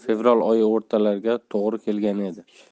fevral oyi o'rtalariga to'g'ri kelgan edi